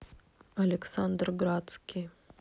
александр градский